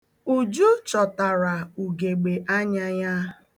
Uju chọtara ugegbe anya ya.